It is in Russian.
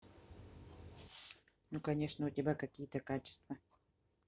ну конечно у тебя какие то качества